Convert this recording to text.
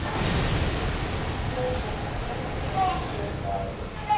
белка и стрелка карибские тайны